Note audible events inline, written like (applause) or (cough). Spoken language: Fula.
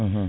(hesitation) (hesitation)